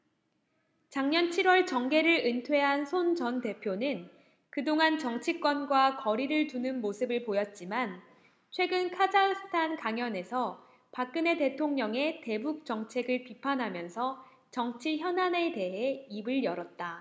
작년 칠 월 정계를 은퇴한 손 전 대표는 그동안 정치권과 거리를 두는 모습을 보였지만 최근 카자흐스탄 강연에서 박근혜 대통령의 대북정책을 비판하면서 정치현안에 대해 입을 열었다